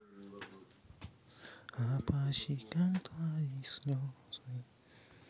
а по щекам твои слезы